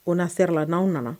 O na serala n'aw nana